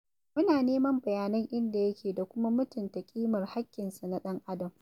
Muna neman bayanan inda yake da kuma mutumta ƙimar haƙƙinsa na ɗan'adam.